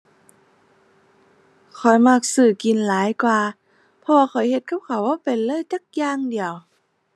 ข้อยมักซื้อกินหลายกว่า เพราะข้อยเฮ็ดกับข้าวบ่เป็นเลยจักอย่างเดียว